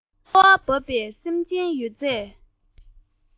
ཁ བ བབས པས སེམས ཅན ཡོད ཚད